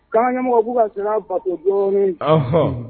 Kaba ɲɛmɔgɔ'u ka siran bako dɔɔnin ahɔn